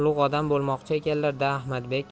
odam bo'lmoqchi ekanlar da ahmadbek